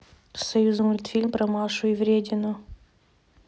союз мультфильм про машу и вредину